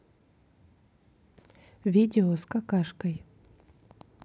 видео с какашкой